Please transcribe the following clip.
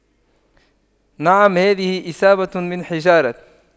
نعم هذه إصابة من حجارة